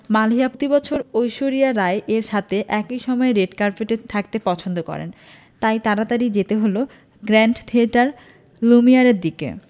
মালিহা প্রতিবছর ঐশ্বরিয়া রাই এর সাথে একই সময়ে রেড কার্পেটে থাকতে পছন্দ করেন তাই তাড়াতাড়ি যেতে হলো গ্র্যান্ড থিয়েটার লুমিয়ারের দিকে